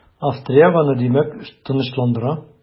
Австрияк аны димәк, тынычландыра.